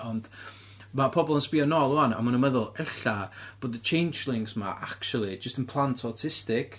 Ond ma' pobl yn sbio nôl 'wan a maen nhw'n meddwl ella bod y changelings yma acshyli jyst yn plant autistic.